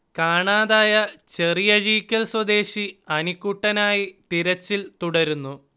കാണാതായ ചെറിയഴീക്കൽ സ്വദേശി അനിക്കുട്ടനായി തിരച്ചിൽ തുടരുന്നു